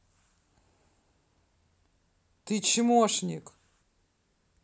ты чмошник